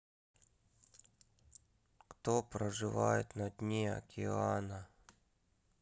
кто проживает на дне океана